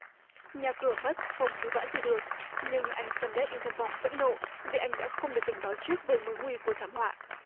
nhà cửa mất không cứu vãn gì được nhưng anh xem lết in tham vong phẫn nộ vì anh đã không được cảnh báo trước về mối nguy của thảm họa